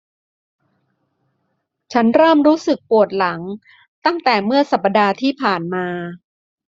ฉันเริ่มรู้สึกปวดหลังตั้งแต่เมื่อสัปดาห์ที่ผ่านมา